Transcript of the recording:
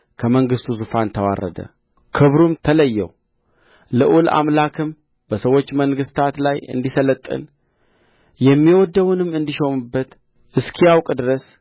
ከመንግሥቱ ዙፋን ተዋረደ ክብሩም ተለየው ልዑል አምላክም በሰዎች መንግሥት ላይ እንዲሠለጥን የሚወድደውንም እንዲሾምበት እስኪያውቅ ድረስ